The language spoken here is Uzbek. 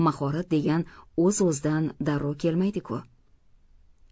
mahorat degan o'z o'zidan darrov kelmaydi ku